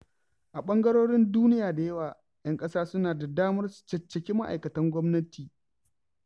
A ɓangarorin duniya da yawa, 'yan ƙasa suna da damar su caccaki ma'aikatan gwamnati.